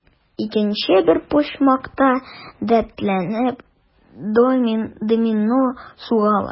Икенче бер почмакта, дәртләнеп, домино сугалар.